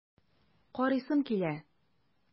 Карыйсым килә!